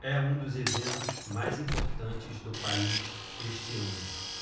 é um dos eventos mais importantes do país este ano